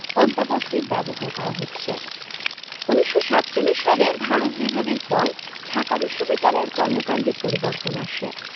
অদ্যাবধি ব্যবহার করা হচ্ছে ১৯৪৭ সালে ভারত বিভাগের পর ঢাকা বিশ্ববিদ্যালয়ের কর্মকান্ডে পরিবর্তন আসে